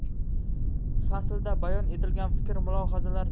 faslda bayon etilgan fikr mulohazalar